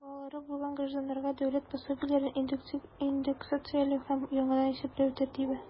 Балалары булган гражданнарга дәүләт пособиеләрен индексацияләү һәм яңадан исәпләү тәртибе.